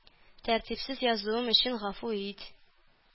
Тәртипсез язуым өчен гафу ит.